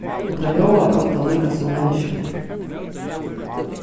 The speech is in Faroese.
og teir ljóðaðu ofta líka sum menniskjuni